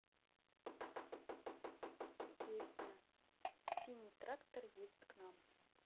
песня синий трактор едет к нам